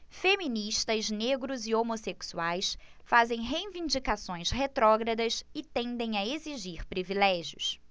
feministas negros e homossexuais fazem reivindicações retrógradas e tendem a exigir privilégios